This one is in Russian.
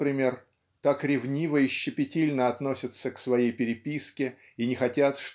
например) так ревниво и щепетильно относятся к своей переписке и не хотят